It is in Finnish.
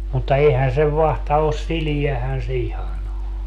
mutta eihän sen vatsa ole sileähän se ihan on